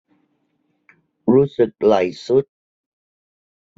รู้สึกไหล่ทรุด